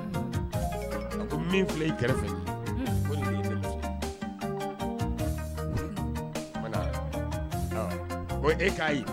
A ko filɛ i kɛrɛfɛ ea ye